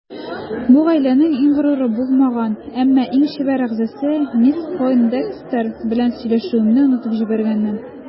Бу гаиләнең иң горуры булмаган, әмма иң чибәр әгъзасы мисс Пойндекстер белән сөйләшүемне онытып җибәргәнмен.